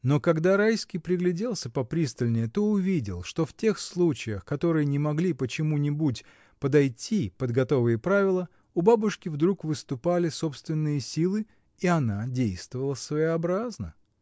Но когда Райский пригляделся попристальнее, то увидел, что в тех случаях, которые не могли почему-нибудь подойти под готовые правила, у бабушки вдруг выступали собственные силы, и она действовала своеобразно.